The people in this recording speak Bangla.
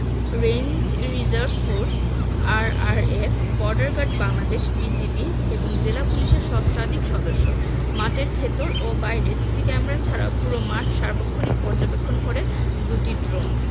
range reserve force RRF border guard Bangladesh BGB এবং জেলা পুলিশের সহস্রাধিক সদস্য মাঠের ভেতর ও বাইরে সিসি ক্যামেরা ছাড়াও পুরো মাঠ সার্বক্ষণিক পর্যবেক্ষণ করে দুটি ড্রোন